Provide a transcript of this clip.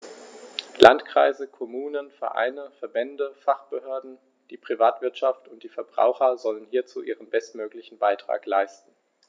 Landkreise, Kommunen, Vereine, Verbände, Fachbehörden, die Privatwirtschaft und die Verbraucher sollen hierzu ihren bestmöglichen Beitrag leisten.